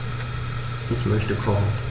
Ich möchte kochen.